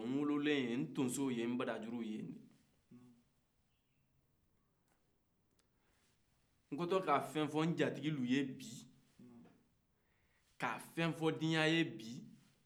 n'wolola yen dɛ n'tɔnso bɛ yen n'barajuru bɛ yen n'bɛna fɛn fɔ n'jatigiw ye bi ka fɛn fɔ diyɛn ye bi